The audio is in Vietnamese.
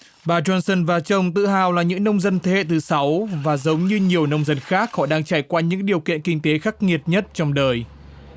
bà don sân và chồng tự hào là những nông dân thế hệ thứ sáu và giống như nhiều nông dân khác họ đang trải qua những điều kiện kinh tế khắc nghiệt nhất trong đời